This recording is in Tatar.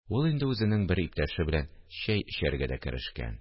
Ул инде үзенең бер иптәше белән чәй эчәргә дә керешкән